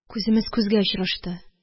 Күземез күзгә очрашты